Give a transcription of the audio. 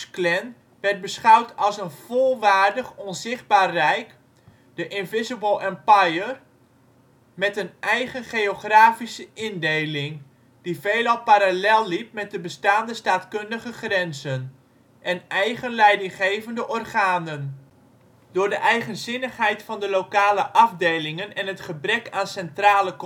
Klan werd beschouwd als een volwaardig Onzichtbaar Rijk (de Invisible Empire) met een eigen geografische indeling (die veelal parallel liep met de bestaande staatkundige grenzen) en eigen leidinggevende organen. Door de eigenzinnigheid van de lokale afdelingen en het gebrek aan centrale